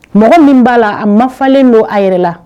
Mɔgɔ min b'a la a mafalen don a yɛrɛ la